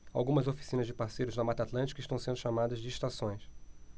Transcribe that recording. algumas oficinas de parceiros da mata atlântica estão sendo chamadas de estações